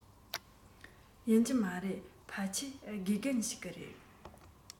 ཡིན གྱི མ རེད ཕལ ཆེར དགེ རྒན ཞིག རེད